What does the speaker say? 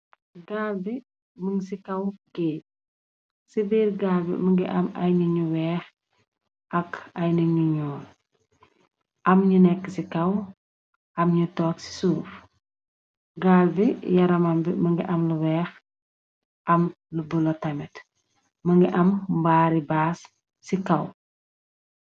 Gaal bi mu ngi ci kaw gèej, Ci biir gaal bi më ngi am ay nit ñu weex ak ay nit ñu ñuul. Am ñu nekk ci kaw, am ñu toog ci suf. Gaal bi yaramam bi mëngi am lu weex am lu bulo tamit, më ngi am mbaari baas ci kaw.